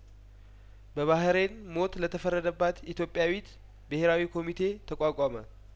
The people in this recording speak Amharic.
በባህሬን ሞት ለተፈረደባት ኢትዮጵያዊት ብሄራዊ ኮሚቴ ተቋቋመ